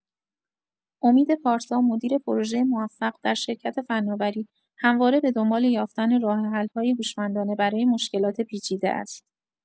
امید پارسا، مدیر پروژه موفق در شرکت فناوری، همواره به دنبال یافتن راه‌حل‌های هوشمندانه برای مشکلات پیچیده است.